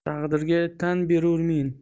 taqdirga tan berurmen